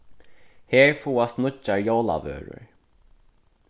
her fáast nýggjar jólavørur